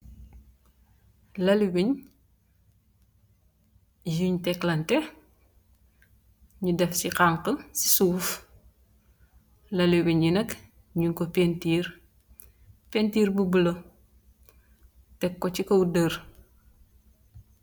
Lal li weñ yin teklanteh, ñi def ci xanx ci suuf, lal li weñ bi nak ñing ko pentir pentir bu bula tek ko ci kaw dèr.